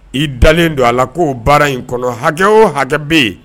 I dalen don a la k'o baara in kɔnɔ hakɛ o hakɛ be ye